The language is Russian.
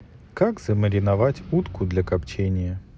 как замариновать утку для копчения